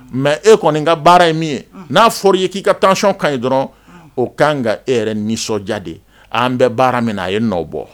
Mɛ e kɔni n ka baara ye min ye n'a fɔra i ye k'i ka taacɔn kan ɲi dɔrɔn o kaan ka e yɛrɛ nisɔndiya de ye an bɛ baara min na a ye nɔ bɔ